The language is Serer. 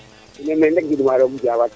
in mbay meen rek gidma roog